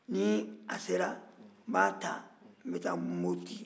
n'i a sera n b'a ta n bɛ taa moti